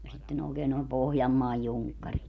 ja sitten oikein noin Pohjanmaan junkkarit